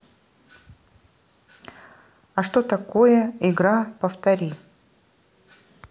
а что такое игра повтори